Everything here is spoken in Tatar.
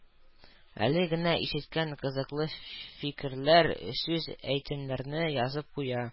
Әле генә ишеткән кызыклы фикерләр, сүз-әйтемнәрне язып куя